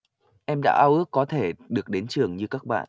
em đã ao ước có thể được đến trường như các bạn